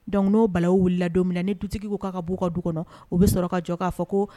Donc n'o balawu wulila don minna ni dutigi k'a ka bɔ u ka du kɔnɔ u bɛ sɔrɔ ka jɔ k'a fɔ ko